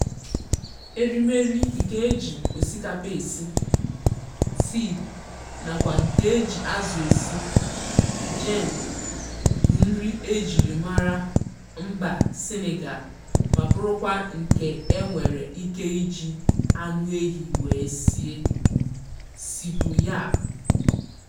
Erimeri nke e ji osikapa esi (ceeb) nakwa nke e ji azụ esi (jenn) bụ nri e jiri mara mba Sịnịgal ma bụrụkwa nke e nwere ike iji anụehi wee sie (ceebu yapp).